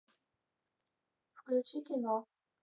включи кино